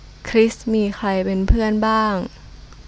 คริสมีใครเป็นเพื่อนบ้าง